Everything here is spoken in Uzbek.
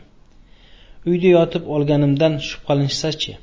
uyda yotib olganimdan shubhalanishsa chi